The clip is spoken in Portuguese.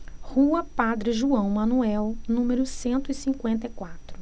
rua padre joão manuel número cento e cinquenta e quatro